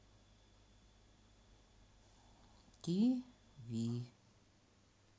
ти ви